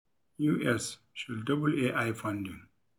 U.S. should double A.I. funding